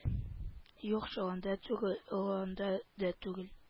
Юк чоланда түгел оланда да түгел